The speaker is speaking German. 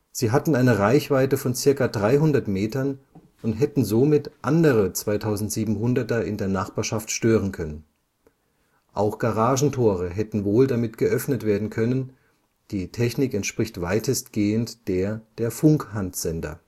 Sie hatten eine Reichweite von ca. 300 Metern und hätten somit andere 2700 in der Nachbarschaft stören können. Auch Garagentore hätten wohl damit geöffnet werden können – die Technik entspricht weitestgehend der der Funkhandsender